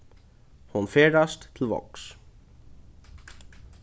hon ferðast til vágs